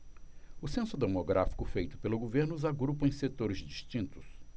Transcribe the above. o censo demográfico feito pelo governo os agrupa em setores distintos